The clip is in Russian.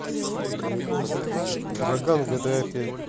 ураган в гта пять